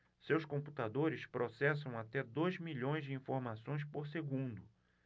seus computadores processam até dois milhões de informações por segundo